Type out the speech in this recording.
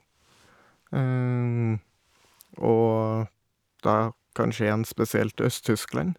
Og da kanskje igjen spesielt Øst-Tyskland.